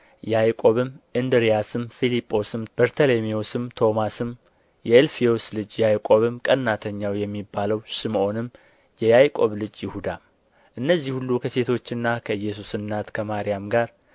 ያዕቆብም እንድርያስም ፊልጶስም ቶማስም በርተሎሜዎስም ማቴዎስም የእልፍዮስ ልጅ ያዕቆብም ቀናተኛ የሚባለው ስምዖንም የያዕቆብ ልጅ ይሁዳም እነዚህ ሁሉ ከሴቶችና ከኢየሱስ እናት ከማርያም